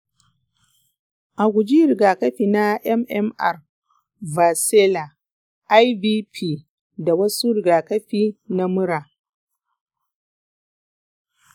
a guji rigakafi na mmr, varicella, ivp, da wasu rigakafi na mura.